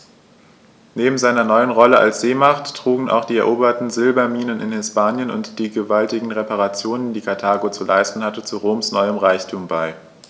Neben seiner neuen Rolle als Seemacht trugen auch die eroberten Silberminen in Hispanien und die gewaltigen Reparationen, die Karthago zu leisten hatte, zu Roms neuem Reichtum bei.